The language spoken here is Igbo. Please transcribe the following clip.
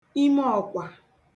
ime ọ̀kwà